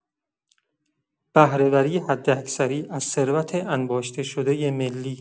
بهره‌وری حداکثری از ثروت انباشته‌شدۀ ملی